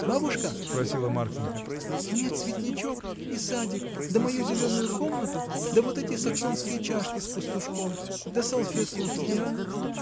— Бабушка, — просила Марфинька, — мне цветничок и садик, да мою зеленую комнату, да вот эти саксонские чашки с пастушком, да салфетку с Дианой.